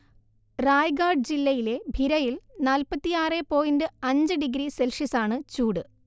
റയ്ഗാഡ് ജില്ലയിലെ ഭിരയിൽ നാല്പത്തിയാറെ പോയിന്റ് അഞ്ചു ഡിഗ്രി സെൽഷ്യസാണ് ചൂട്